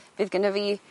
Fydd gynno fi